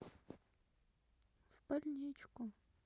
в больничку